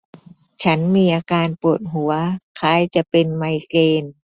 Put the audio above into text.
ฉันมีอาการปวดหัวคล้ายจะเป็นไมเกรน